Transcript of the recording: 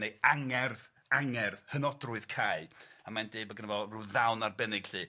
...neu angerdd angerdd hynodrwydd Cai a mae'n deud bo' gynno fo ryw ddawn arbennig 'lly.